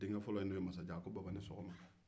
masajan min ye denkɛ fɔlɔ ye o ko baba ni sɔgɔma